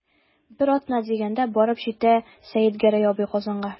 Бер атна дигәндә барып җитә Сәетгәрәй абый Казанга.